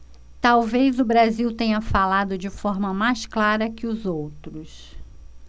talvez o brasil tenha falado de forma mais clara que os outros